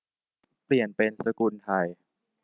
เปลี่ยนเป็นสกุลไทย